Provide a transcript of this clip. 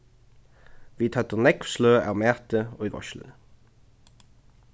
vit høvdu nógv sløg av mati í veitsluni